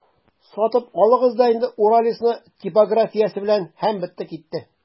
Сатып алыгыз да инде «Уралец»ны типографиясе белән, һәм бетте-китте!